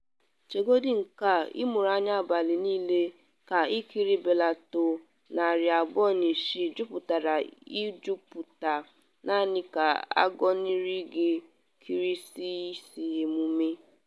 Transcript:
Chegodi nke a, ịmụrụ anya abalị niile ka ikirie Bellator 206 juputara ejuputa, naanị ka agọnarị gị ikiri isi emume.